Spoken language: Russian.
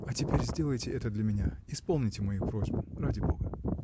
А теперь сделайте это для меня; исполните мою просьбу, ради бога.